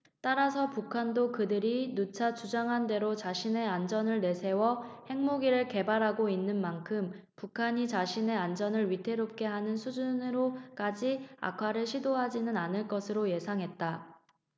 따라서 북한도 그들이 누차 주장한대로 자신의 안전을 내세워 핵무기를 개발하고 있는 만큼 북한이 자신의 안전을 위태롭게 하는 수준으로까지 악화를 시도하지는 않을 것으로 예상했다